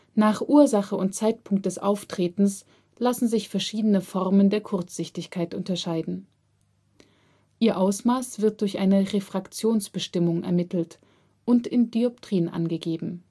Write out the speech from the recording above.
Nach Ursache und Zeitpunkt des Auftretens lassen sich verschiedene Formen der Kurzsichtigkeit unterscheiden. Ihr Ausmaß wird durch eine Refraktionsbestimmung ermittelt und in Dioptrien angegeben